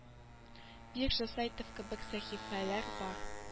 Биржа сайтов кебек сәхифәләр бар